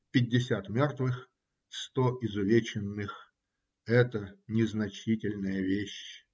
Пятьдесят мертвых, сто изувеченных - это незначительная вещь!